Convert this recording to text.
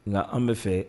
Nka an bɛ fɛ